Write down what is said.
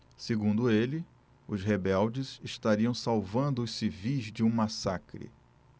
segundo ele os rebeldes estariam salvando os civis de um massacre